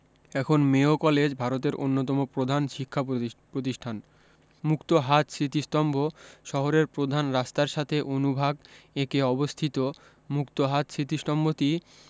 এখন Mayo college ভারতের অন্যতম প্রধান শিক্ষা প্রতিষ্ঠান মুক্ত হাত স্মৃতিস্তম্ভ শহরের প্রধান রাস্তার সাথে অনুভাগ একে অবস্থিত মুক্ত হাত স্মৃতিস্তম্ভটি